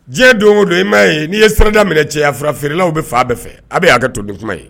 Diɲɛ don o don i m'a ye n'i ye sirada minɛ cɛya fura feerelaw bɛ faa bɛɛ fɛ, a bɛ hakɛto ni kuma ye